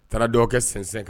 A taara dɔ kɛ sɛnsɛn ka na